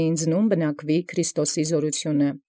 Յիս զաւրութիւնն Քրիստոսիե։